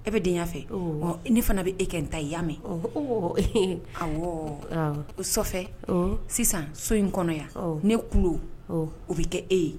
E bɛdenya fɛ ɔ ne fana bɛ e kɛ n ta ya mɛn so sisan so in kɔnɔ yan ne kulu u bɛ kɛ e ye